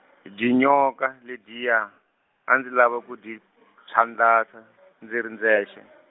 dyinyoka ledyiya, a ndzi lava ku dyi , phyandlasa, ndzi ri ndzexe.